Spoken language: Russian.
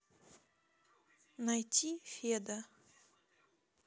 найти феда